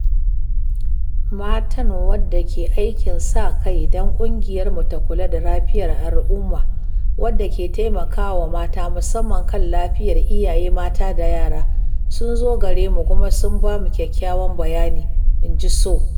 Matan wadda ke aikin sa-kai don ƙungiyarmu ta kula da lafiyar al’umma [“Badianou Guokh”] wadda ke taimaka wa mata, musamman kan lafiyar iyaye mata da yara… sun zo gare mu kuma sun bamu kyakyawan bayani. In ji Sow.